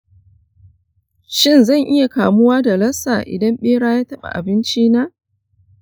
shin zan iya kamuwa da lassa idan bera ya taɓa abincina?